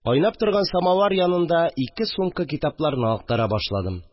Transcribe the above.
Кайнап торган самавыр янында ике сумка китапларны актара башладым